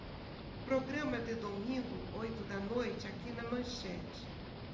programa de domingo oito da noite aqui na manchete